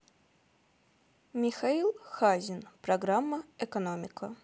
михаил хазин программа экономика